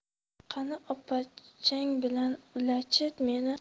qani opachang bilan ula chi meni